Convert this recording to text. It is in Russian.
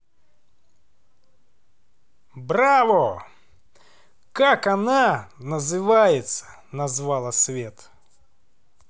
браво как она называется назвала свет